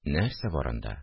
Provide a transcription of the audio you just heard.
– нәрсә бар анда